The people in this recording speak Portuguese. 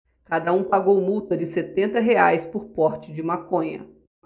cada um pagou multa de setenta reais por porte de maconha